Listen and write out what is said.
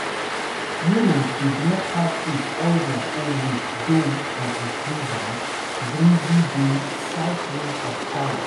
Europe did not have it al their own way though on a pleasant, breezy day south west of Paris.